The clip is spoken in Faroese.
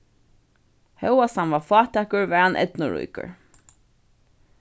hóast hann var fátækur var hann eydnuríkur